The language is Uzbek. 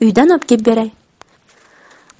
uydan obkeb beray